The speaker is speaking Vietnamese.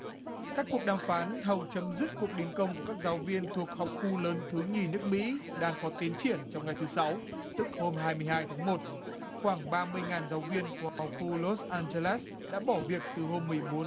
các cuộc đàm phán hầu chấm dứt cuộc đình công của các giáo viên thuộc học khu lớn thứ nhì nước mỹ đang có tiến triển trong ngày thứ sáu tức hôm hai mươi hai tháng một khoảng ba mươi ngàn giáo viên của tàu khu lốt an giơ lép đã bỏ việc từ hôm mười bốn